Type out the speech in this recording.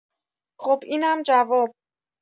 خب اینم جواب